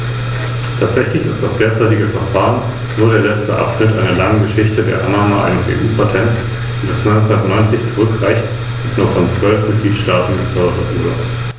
Wir fragen uns oft, vor allem im Ausschuss für Industrie, Forschung und Energie, wie wir genau diese Gruppe von Unternehmen darin bestärken können, Innovationen einzuführen und ihre eigenen Erfindungen zu patentieren.